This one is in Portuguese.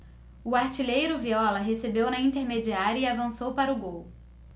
o artilheiro viola recebeu na intermediária e avançou para o gol